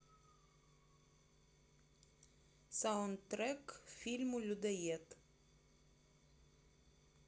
саундтрек к фильму людоед